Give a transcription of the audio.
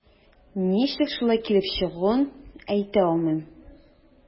Ничек шулай килеп чыгуын әйтә алмыйм.